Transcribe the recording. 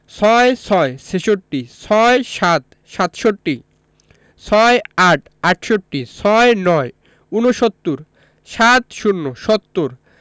৬৬ ছেষট্টি ৬৭ সাতষট্টি ৬৮ আটষট্টি ৬৯ ঊনসত্তর ৭০ সত্তর